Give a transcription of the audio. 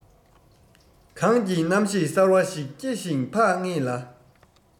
གངས ཀྱི རྣམ ཤེས གསར བ ཞིག སྐྱེ ཞིང འཕགས ངེས ལ